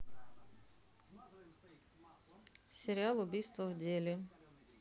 сериал убийство в дели